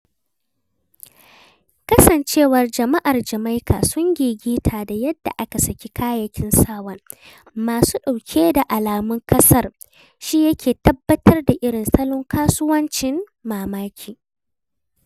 Kasancewar jama'ar Jamaika sun gigita da yadda aka saki kayyakin sawan masu ɗauke da alamun ƙasar shi yake tabbatar da irin salon kasuwancin mamaki.